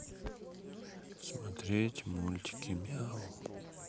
смотреть мультики мяу